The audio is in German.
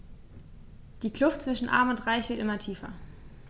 Die Kluft zwischen Arm und Reich wird immer tiefer.